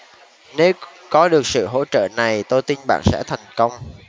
nếu có được sự hỗ trợ này tôi tin bạn sẽ thành công